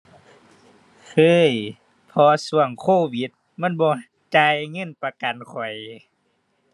เคย เพราะว่าช่วงโควิดมันบ่จ่ายเงินประกันข้อย